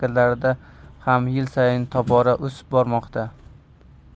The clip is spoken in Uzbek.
mamlakatlarida ham yil sayin tobora o'sib bormoqda